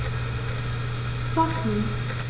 Was nun?